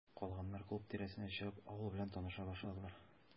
Калганнар, клуб тирәсенә чыгып, авыл белән таныша башладылар.